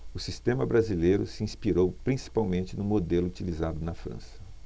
o sistema brasileiro se inspirou principalmente no modelo utilizado na frança